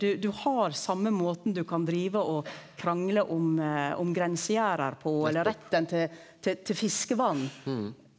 du du har same måten du kan drive å krangle om om grensegjerde på eller retten til til fiskevatn.